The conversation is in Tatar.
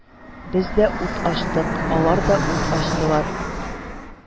Без дә ут ачтык, алар да ут ачтылар